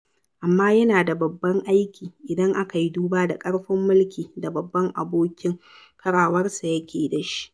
Amma yana da babban aiki idan aka yi duba da ƙarfin mulki da babban abokin karawarsa yake da shi.